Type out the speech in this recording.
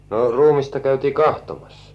no ruumista käytiin katsomassa